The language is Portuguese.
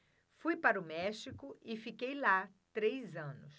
fui para o méxico e fiquei lá três anos